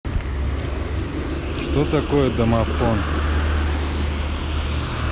что такое домофон